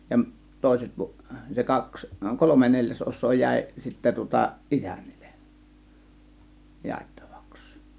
ja toiset - se kaksi kolme neljäsosaa jäi sitten tuota isännille jaettavaksi